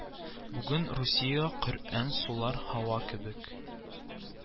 Бүген Русиягә Коръән сулар һава кебек